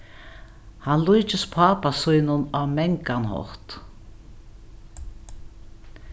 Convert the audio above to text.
hann líkist pápa sínum á mangan hátt